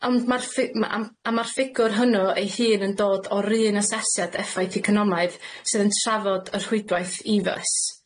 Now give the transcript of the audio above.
Ond ma'r ffi-... Ma' am... A ma'r ffigwr hwnnw ei hun yn dod o'r un asesiad effaith economaidd sydd yn trafod y rhwydwaith ee fus.